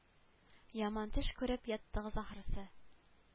Яман төш күреп яттыгыз ахрысы